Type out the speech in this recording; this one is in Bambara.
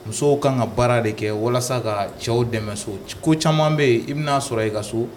Musow kan ka baara de kɛ walasa ka cɛw dɛmɛ so, ko caman bɛ yen, i bɛn'a sɔrɔ i ka so